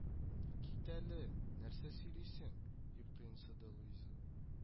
Кит әле, нәрсә сөйлисең, дип кыенсынды Луиза